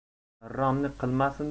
g'irromlik qilmasin da